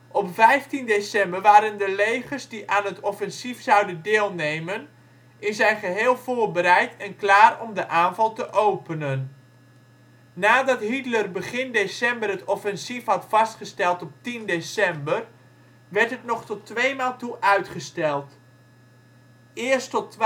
Op 15 december waren de legers die aan het offensief zouden deelnemen in zijn geheel voorbereid en klaar om de aanval te openen. Nadat Hitler begin december het offensief had vastgesteld op 10 december, werd het nog tot tweemaal toe uitgesteld, eerst tot